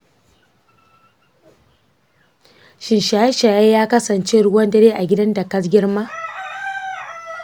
shin shaye-shaye ya kasance ruwan dare a gidan da ka girma?